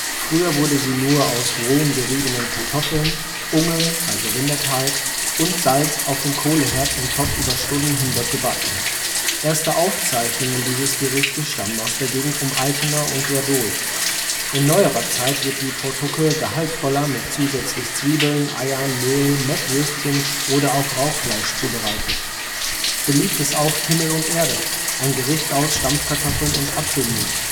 Früher wurde sie nur aus rohen geriebenen Kartoffeln, Ungel (Rindertalg) und Salz auf dem Kohleherd im Topf über Stunden hinweg gebacken. Erste Aufzeichnungen dieses Gerichtes stammen aus der Gegend um Altena und Werdohl. In neuerer Zeit wird die Potthucke gehaltvoller, mit zusätzlich Zwiebeln, Eiern, Mehl, Mettwürsten oder auch Rauchfleisch, zubereitet. Beliebt ist auch Himmel und Erde, ein Gericht aus Stampfkartoffeln und Apfelmus